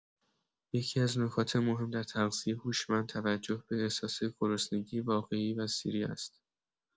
یکی‌از نکات مهم در تغذیه هوشمند توجه به احساس گرسنگی واقعی و سیری است.